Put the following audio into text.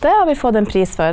det har vi fått en pris for.